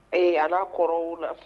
Ee a b'a kɔrɔw la